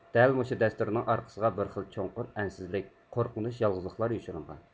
دەل مۇشۇ دەستۇرنىڭ ئارقىسىغا بىر خىل چوڭقۇر ئەنسىزلىك قورقۇنچ يالغۇزلۇقلار يوشۇرۇنغان